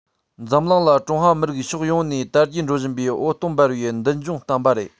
འཛམ གླིང ལ ཀྲུང ཧྭ མི རིགས ཕྱོགས ཡོངས ནས དར རྒྱས འགྲོ བཞིན པའི འོད སྟོང འབར བའི མདུན ལྗོངས བསྟན པ རེད